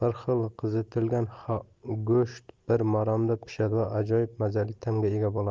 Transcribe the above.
maromda pishadi va ajoyib mazali tamga ega bo'ladi